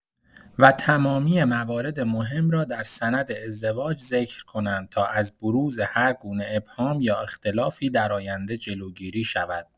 و تمامی موارد مهم را در سند ازدواج ذکر کنند تا از بروز هرگونه ابهام یا اختلافی در آینده جلوگیری شود.